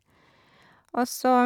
Og så...